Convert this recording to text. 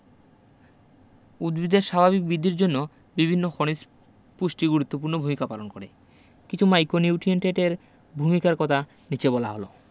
উদ্ভিদের স্বাভাবিক বিদ্ধির জন্য বিভিন্ন খনিজ পুষ্টি গুরুত্বপূর্ণ ভূমিকা পালন করে কিছু ম্যাক্রোনিউট্রিয়েন্টের ভূমিকার কথা নিচে বলা হল